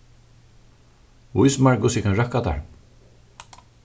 vís mær hvussu eg kann røkka tær